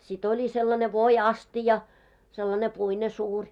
sitten oli sellainen voiastia sellainen puinen suuri